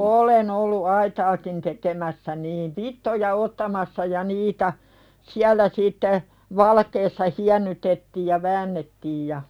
olen ollut aitaakin tekemässä niin vitsoja ottamassa ja niitä siellä sitten valkeassa hiennytettiin ja väännettiin ja